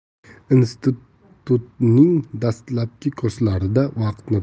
institutning dastlabki kurslarida vaqtni